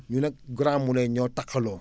ñun ak Grand Moulin ñoo taqaloo